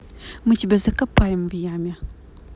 мы тебя закопаем в яме